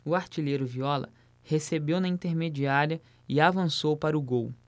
o artilheiro viola recebeu na intermediária e avançou para o gol